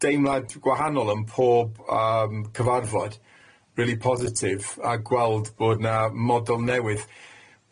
deimlad gwahanol yn pob yym cyfarfod, rili positif, a gweld bod 'na model newydd.